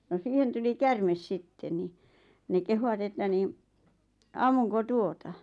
no siihen tuli käärme sitten niin ne kehuivat että niin ammunko tuota